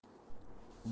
bir hujraga yig'ib